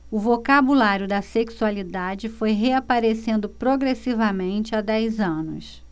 o vocabulário da sexualidade foi reaparecendo progressivamente há dez anos